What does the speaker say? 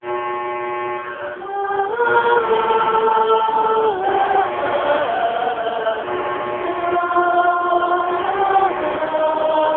chúa trong lòng con lm thái nguyên